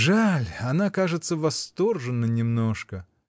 Жаль, она, кажется, восторженна немножко.